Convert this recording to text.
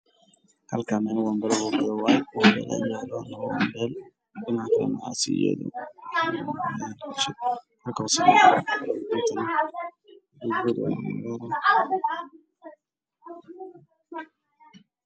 Waa mobile midabkiisii yahay madow cadaan